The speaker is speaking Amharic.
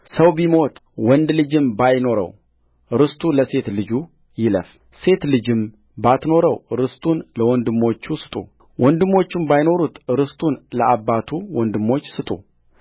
ሰው ቢሞት ወንድ ልጅም ባይኖረው ርስቱ ለሴት ልጁ ይለፍሴት ልጅም ባትኖረው ርስቱን ለወንድሞቹ ስጡወንድሞችም ባይኖሩት ርስቱን ለአባቱ ወንድሞች ስጡ